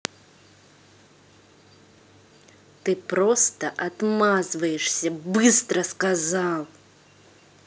ты просто отмазываешься быстро сказал